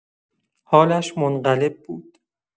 حالش منقلب بود.